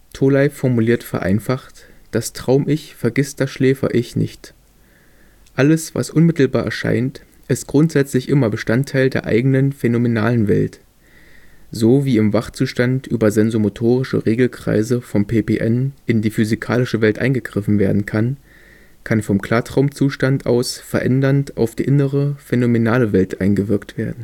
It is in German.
Tholey formuliert vereinfacht: das Traum-Ich vergisst das Schläfer-Ich nicht. Alles, was unmittelbar erscheint, ist grundsätzlich immer Bestandteil der eigenen phänomenalen Welt. So wie im Wachzustand über sensomotorische Regelkreise vom PPN in die physikalische Welt eingegriffen werden kann, kann vom Klartraumzustand aus verändernd auf die innere, phänomenale Welt eingewirkt werden